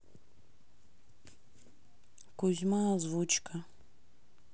кузьма озвучка